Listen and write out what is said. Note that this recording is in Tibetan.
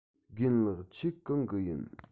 རྒན ལགས ཁྱེད གང གི ཡིན